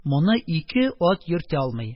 Моны ике ат йөртә алмый.